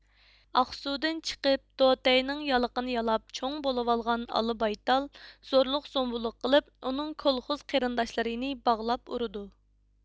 ئاقسۇدىن چىقىپ دوتەينىڭ يالىقىنى يالاپ چوڭ بولۇۋالغان ئالا بايتال زورلۇق زومبۇلۇق قىلىپ ئۇنىڭ كولخوز قېرىنداشلىرىنى باغلاپ ئۇرىدۇ